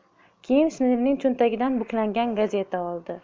keyin shinelining cho'ntagidan buklangan gazeta oldi